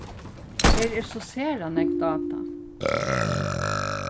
her er so sera nógv dáta